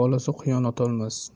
bolasi quyon otolmas